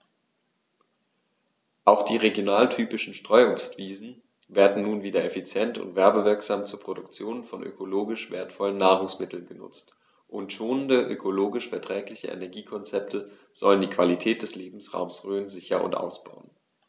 Auch die regionaltypischen Streuobstwiesen werden nun wieder effizient und werbewirksam zur Produktion von ökologisch wertvollen Nahrungsmitteln genutzt, und schonende, ökologisch verträgliche Energiekonzepte sollen die Qualität des Lebensraumes Rhön sichern und ausbauen.